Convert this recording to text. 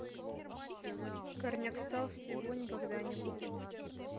горняк стал всего никогда не будет